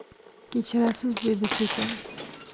kechirasiz dedi sekin